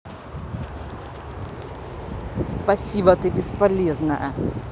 спасибо ты бесполезная